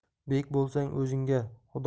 bek bo'lsang o'zingga xudoning